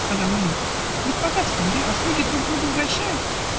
-- сказала Лиза, -- господа в ссоре, а слуги друг друга угощают.